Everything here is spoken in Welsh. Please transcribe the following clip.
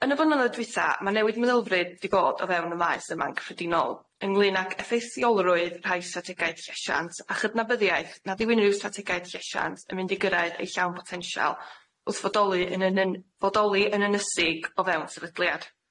Yn y blynyddoedd dwytha ma' newid meddylfryd 'di bod o fewn y maes yma'n gyffredinol ynglŷn ag effeithiolrwydd rhai strategaeth llesiant a chydnabyddiaeth nad yw unrhyw strategaeth llesiant yn mynd i gyrraedd ei llawn potensial wrth fodoli yn yn yn fodoli yn ynysig o fewn sefydliad.